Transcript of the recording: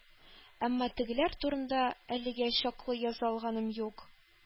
Әмма тегеләр турында әлегә чаклы яза алганым юк.